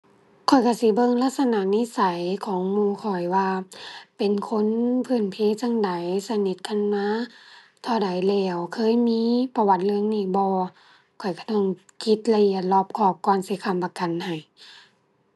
ข้อยก็สิเบิ่งลักษณะนิสัยของหมู่ข้อยว่าเป็นคนพื้นเพจั่งใด สนิทกันมาเท่าใดแล้ว เคยมีประวัติเรื่องนี้บ่ ข้อยก็ต้องคิดละเอียดรอบคอบก่อนสิค้ำประกันให้